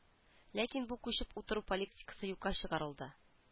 Ләкин бу күчеп утыру политикасы юкка чыгарылды